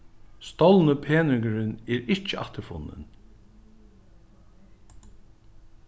stolni peningurin er ikki afturfunnin